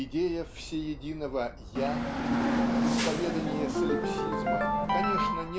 Идея всеединого я исповедание солипсизма конечно